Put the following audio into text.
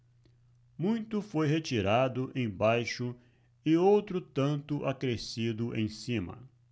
muito foi retirado embaixo e outro tanto acrescido em cima